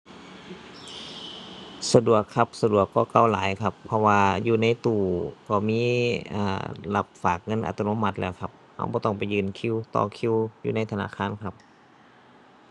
สะดวกครับ สะดวกกว่าเก่าหลายครับ เพราะว่าอยู่ในตู้ก็มี อ่า รับฝากเงินอัตโนมัติแล้วครับ เราบ่ต้องไปยื่นคิว ต่อคิวอยู่ในธนาคารครับ